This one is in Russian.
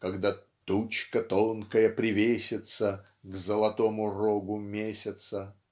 когда "тучка тонкая привесится к золотому рогу месяца"